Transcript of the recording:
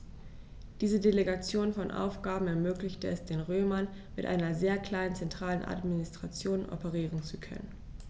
Diese Delegation von Aufgaben ermöglichte es den Römern, mit einer sehr kleinen zentralen Administration operieren zu können.